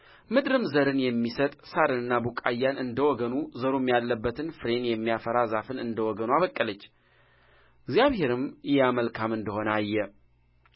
ምድርም ዘርን የሚሰጥ ሣርንና ቡቃያን እንደ ወገኑ ዘሩም ያለበትን ፍሬን የሚያፈራ ዛፍን እንደ ወገኑ አበቀለች እግዚአብሔርም ያ መልካም እንደ ሆነ አየ